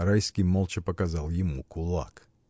Райский молча показал ему кулак.